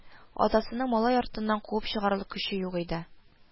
Атасының малай артыннан куып чыгарлык көче юк иде